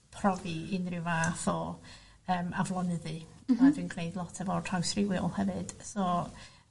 profi unryw fath o yym aflonyddi. Mhm. A dwi'n gneud lot efo trawsrhywiol hefyd. So